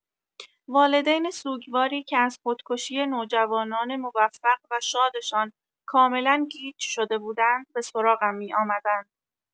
والدین سوگواری که از خودکشی نوجوانان موفق و شادشان کاملا گیج شده بودند به سراغم می‌آمدند.